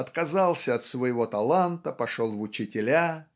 отказался от своего таланта пошел в учителя